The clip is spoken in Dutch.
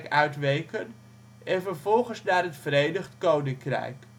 uitweken en vervolgens naar het Verenigd Koninkrijk